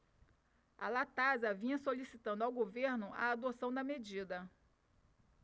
a latasa vinha solicitando ao governo a adoção da medida